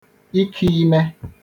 ikeime